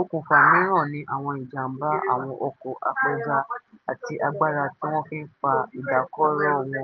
Okùnfà mìíràn ni àwọn ìjàm̀bá àwọn ọkọ̀ apẹja àti agbára tí wọ́n fi ń fa ìdákọ̀ró wọn,